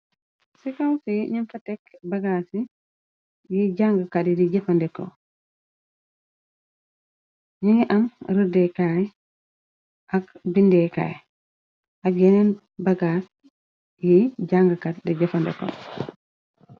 Ci kaw fi nam fa tekk bagaas yi jangkat yi di jëfandeko nungi am rërdeekaay ak bindeekaay ak yeneen bagaas yi jàngkat di jëfandeko.